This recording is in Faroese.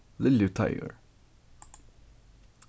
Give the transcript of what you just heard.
liljuteigur